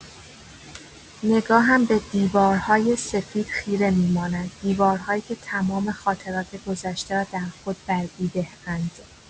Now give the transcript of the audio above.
نگاهم به دیوارهای سفید خیره می‌ماند، دیوارهایی که تمام خاطرات گذشته را در خود بلعیده‌اند.